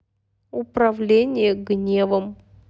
управление гневом